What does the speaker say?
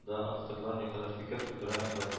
Да авторлар никадәр фикер тудыра, инвалид